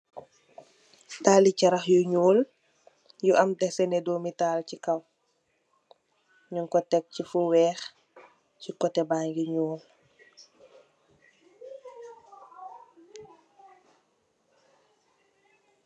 Dale charak yu nuul yu am desene domitale ci kaw nugko tehk ci fo weex ci koteh bagi nuul.